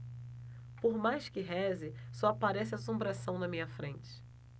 por mais que reze só aparece assombração na minha frente